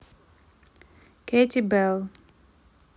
katie bell